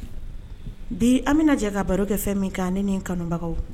Bi an bɛ ka baro kɛ fɛn min kan ne ni kanubagaw